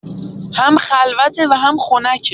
هم خلوته و هم خنکه